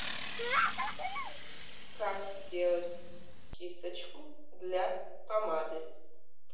как сделать кисточку для помады